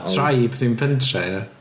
Tribe ddim pentref ia?